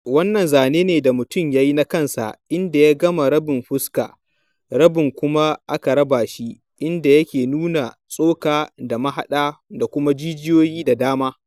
Wannan zane ne da mutum ya yi na kansa, inda ya gama rabin fuska, rabin kuma aka raba shi, inda yake nuna tsoka da mahaɗa da kuma jijiyoyi da dama.